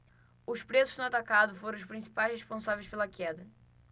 os preços no atacado foram os principais responsáveis pela queda